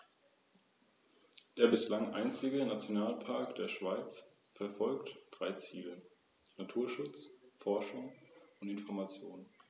Sie dienen unter anderem als Ruhezonen für das Wild.